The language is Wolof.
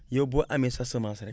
yow boo amee sa semence rek